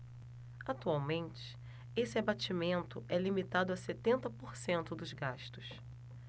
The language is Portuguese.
atualmente esse abatimento é limitado a setenta por cento dos gastos